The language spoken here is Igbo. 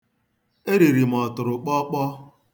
Eriri m ọtụrụkpọọkpọọ.